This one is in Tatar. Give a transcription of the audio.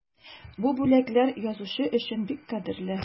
Бу бүләкләр язучы өчен бик кадерле.